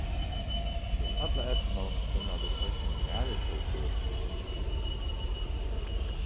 til alla eydnu finna vit eisini maritugøtu í hoyvík